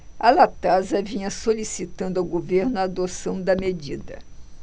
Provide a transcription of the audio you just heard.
a latasa vinha solicitando ao governo a adoção da medida